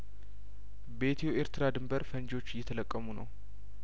በኢትዮ ኤርትራ ድንበር ፈንጂዎች እየተለቀሙ ነው